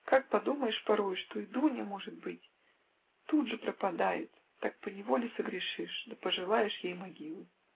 Как подумаешь порою, что и Дуня, может быть, тут же пропадает, так поневоле согрешишь да пожелаешь ей могилы.